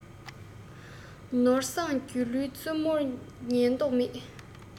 ནོར བཟང རྒྱ ལུའི བཙུན མོར ཉན མདོག མེད